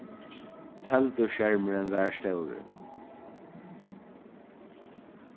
telduskermurin var stórur